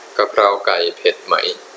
กะเพราไก่เผ็ดไหม